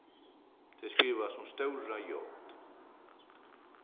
tað er skrivað sum stóra j